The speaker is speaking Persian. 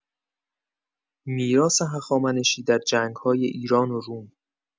میراث هخامنشی در جنگ‌های ایران و روم